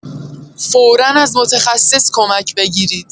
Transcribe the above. فورا از متخصص کمک بگیرید.